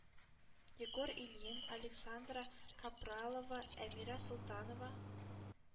Егор Ильин, Александра Капралова, Әмирә Солтанова,